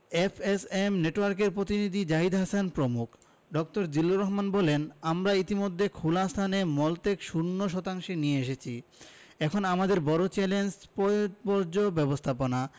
FSM নেটওয়ার্কের প্রতিনিধি হাসিন জাহান প্রমুখ ড. বলেন জিল্লুর রহমান আমরা ইতিমধ্যে খোলা স্থানে মলত্যাগ শূন্য শতাংশে নিয়ে এসেছি এখন আমাদের বড় চ্যালেঞ্জ পয়ঃবর্জ্য ব্যবস্থাপনা